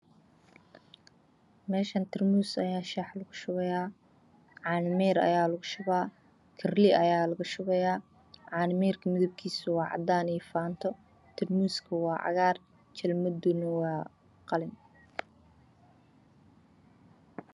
Meeshaan tarmuus ayaa shaax lugu shubahayaa caano miir ayaa lugu miira kirlina waa lugu shubahayaa. Caano miirku cadaan iyo faanto, tarmuusku waa cagaar, jalmadu waa qalin.